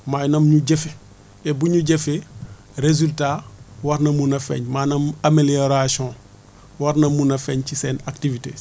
maanaam ñu jëfee te bu ñu jëfee résultat war na mun a feeñ maanaam amélioration war na mun a feeñ ci seen activité